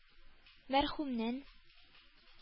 Мәрхүмнән